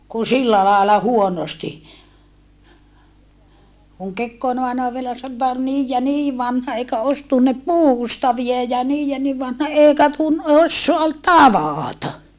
kun sillä lailla huonosti kun Kekkonen aina vielä sanoi että oli niin ja niin vanha eikä olisi tunne puustaveja ja niin ja niin vanha eikä - osaa tavata